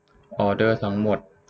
ออเดอร์ทั้งหมด